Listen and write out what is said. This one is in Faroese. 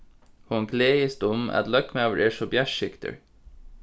hon gleðist um at løgmaður er so bjartskygdur